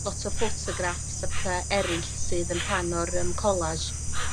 lot o ffotograffs a petha eryll sydd yn rhan o'r yym collage